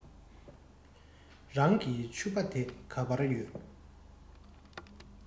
རང གི ཕྱུ པ དེ ག པར ཡོད